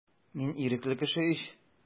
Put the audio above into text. Мин ирекле кеше ич.